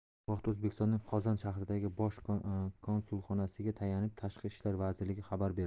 bu haqda o'zbekistonning qozon shahridagi bosh konsulxonasiga tayanib tashqi ishlar vazirligi xabar berdi